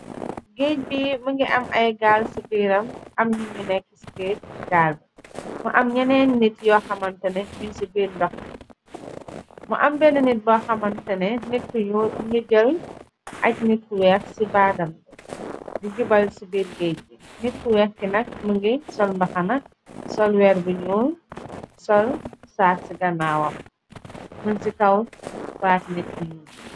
géej bi mënga am ay gaal ci biiram am ñi ñu nekki ci biir gaal bi mu am ñeneen nit yoo xamantene ñuñ ci biir ndox bi mu am ben nit bo xamantane nit munu jël aj nitku weex ci baadam b di jubal ci biir géej bi nit ku weex ki nag mënga solmbaxana solweer buñu sol saat ci gannaawam mën ci kaw baati nitku yu